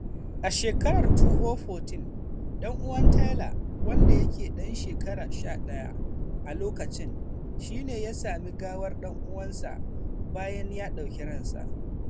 A shekarar 2014, ɗan'uwan Tyler, wanda yake dan shekara 11 a lokacin, shi ne ya sami gawar dan uwansa bayan ya ɗauki ransa.